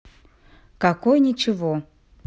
какой ничего